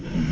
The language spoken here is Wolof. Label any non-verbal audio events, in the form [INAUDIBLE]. [HESITATION] [HESITATION]